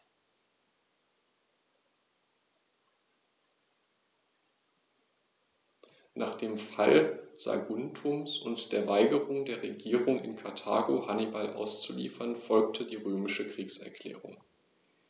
Nach dem Fall Saguntums und der Weigerung der Regierung in Karthago, Hannibal auszuliefern, folgte die römische Kriegserklärung.